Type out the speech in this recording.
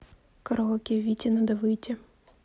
караоке вите надо выйти